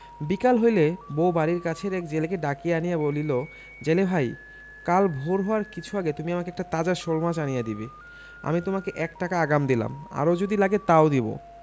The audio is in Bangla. বিকাল হইলে বউ বাড়ির কাছের এক জেলেকে ডাকিয়া আনিয়া বলিল জেলে ভাই কাল ভোর হওয়ার কিছু আগে তুমি আমাকে একটি তাজা শোলমাছ আনিয়া দিবে আমি তোমাকে এক টাকা আগাম দিলাম আরও যদি লাগে তাও দিব